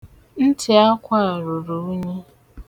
Ntị akwa a ruru unyi.